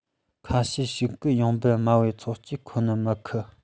ཁ ཤས ཤིག གིས ཡོང འབབ དམའ བའི ཚོགས སྤྱིར ཁོ ནི མི ཁུགས